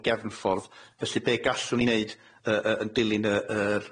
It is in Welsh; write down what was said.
y gefnffordd felly be' gallwn ni neud y- y- yn dilyn y- yr y-